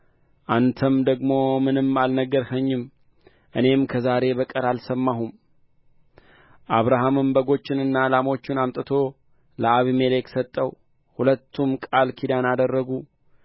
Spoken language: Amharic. አንተም ደግሞ ምንም አልነገርኸኝም እኔም ከዛሬ በቀር አልሰማሁም አብርሃምም በጎችንና ላሞችን አምጥቶ ለአቢሜሌክ ሰጠው ሁለቱም ቃል ኪዳን አደረጉ